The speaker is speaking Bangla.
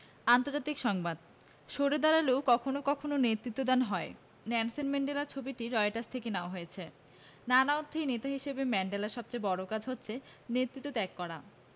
আন্তর্জাতিক সংবাদ সরে দাঁড়ালেও কখনো কখনো নেতৃত্বদান হয় নেলসন ম্যান্ডেলার ছবিটি রয়টার্স থেকে নেয়া হয়েছে নানা অর্থেই নেতা হিসেবে ম্যান্ডেলার সবচেয়ে বড় কাজ হচ্ছে নেতৃত্ব ত্যাগ করা